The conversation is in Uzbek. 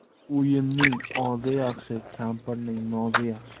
o'yinning ozi yaxshi kampirning nozi yaxshi